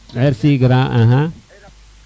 merci grand aha